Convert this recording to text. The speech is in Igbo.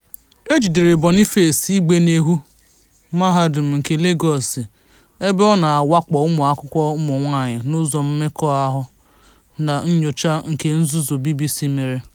E jidere Boniface Igbeneghu, Mahadum nke Legọọsụ, ebe ọ na-awakpo ụmụakwụkwọ ụmụ nwaanyị n'ụzọ mmekọahụ na nnyocha kenzụzọ BBC mere.